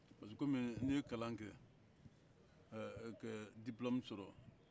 parce que komi n ye kalan kɛ ɛɛ ke diplome sɔrɔ